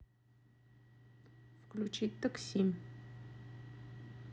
включить такси